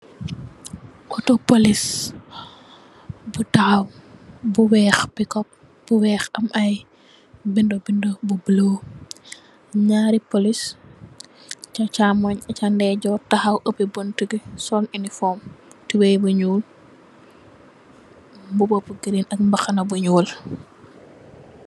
Ooto polis bu taxaw, bu weex, pikup bu weex am ay bind-bind bu bula, am nyaari polis, ca caamonj ak ca ndeyjoor, tahaw obi buntu bi, sol elifom, tubay bu nyuul, mbuba bu giriin, ak mbaxana bu nyuul.